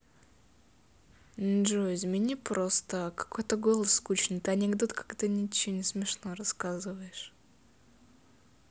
джой измени просто какой то голос скучный ты анекдот как то ниче не смешно рассказываешь